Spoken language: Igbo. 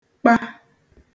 kpa